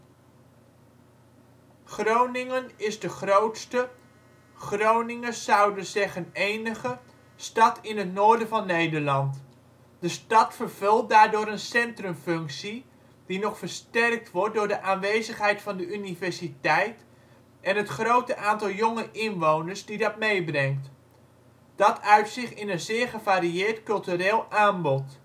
Groningen is de grootste, Groningers zouden zeggen enige, stad in het noorden van Nederland. De stad vervult daardoor een centrumfunctie, die nog versterkt wordt door de aanwezigheid van de universiteit en het grote aantal jonge inwoners die dat meebrengt. Dat uit zich in een zeer gevarieerd cultureel aanbod